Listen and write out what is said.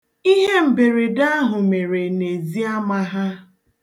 Ihe mberede ahụ mere n'eziama ha.